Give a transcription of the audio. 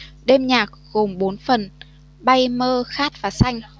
đêm nhạc gồm bốn phần bay mơ khát và xanh